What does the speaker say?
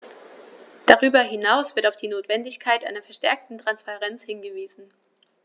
Darüber hinaus wird auf die Notwendigkeit einer verstärkten Transparenz hingewiesen.